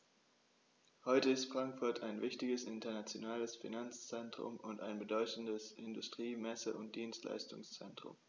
Heute ist Frankfurt ein wichtiges, internationales Finanzzentrum und ein bedeutendes Industrie-, Messe- und Dienstleistungszentrum.